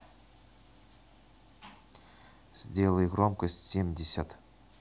сделай громкость семьдесят